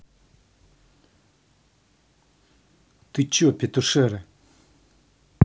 ты че петушара